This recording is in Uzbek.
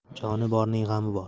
joni borning g'ami bor